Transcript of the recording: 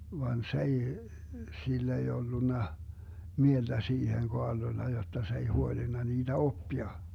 vaan se ei sillä ei ollut mieltä siihen Kaarlolla jotta se ei huolinut niitä oppia